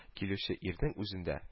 Килүче ирнең үзендә